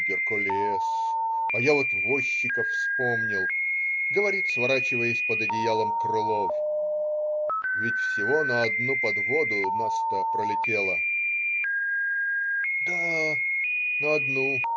- "Геркулес, а я вот возчика вспомнил, говорит, сворачиваясь под одеялом, Крылов,- ведь всего на одну подводу нас-то пролетела". -"Да. на одну.